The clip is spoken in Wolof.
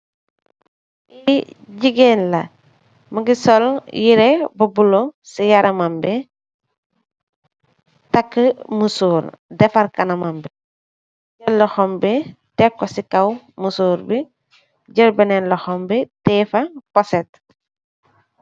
Li gigeen la mugii sol yirèh bu bula ci yaramam bi takka mesor defarr kanamam bi jél loxom tèg ko ci kaw mesor bi jél benen loxom bi teyeh fa poset.